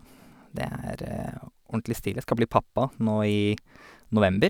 Det er ordentlig stilig, skal bli pappa nå i november.